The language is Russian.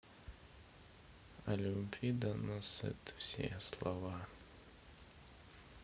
о любви донос это все слова